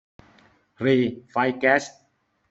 หรี่ไฟแก๊ส